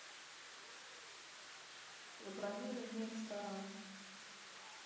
забронируй мне ресторан